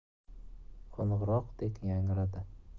qo'ng'iroqdek yangradi